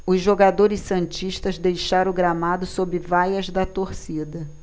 os jogadores santistas deixaram o gramado sob vaias da torcida